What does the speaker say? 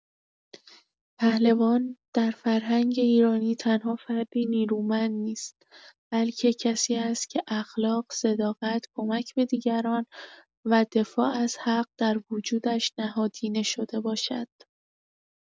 پهلوان در فرهنگ ایرانی تنها فردی نیرومند نیست، بلکه کسی است که اخلاق، صداقت، کمک به دیگران و دفاع از حق در وجودش نهادینه شده باشد.